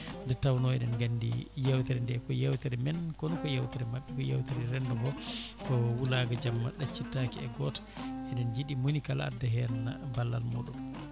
nde tawno eɗen gandi yewtere nde ko yewtere men kono ko yewtere mabɓe ko yewtere rendo ngo ko wuulango jamma ɗaccittake e goto eɗen jiiɗi monikala adda hen ballal muɗum